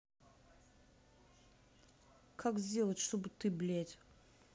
как сделать чтобы ты блядь